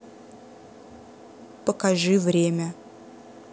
покажи время